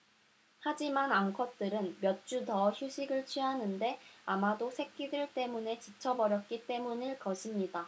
하지만 암컷들은 몇 주 더 휴식을 취하는데 아마도 새끼들 때문에 지쳐 버렸기 때문일 것입니다